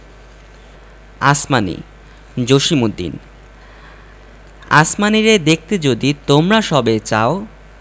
আসমানী জসিমউদ্দিন আসমানীরে দেখতে যদি তোমরা সবে চাও